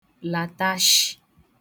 làtashị